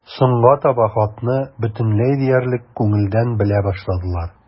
Соңга таба хатны бөтенләй диярлек күңелдән белә башладылар.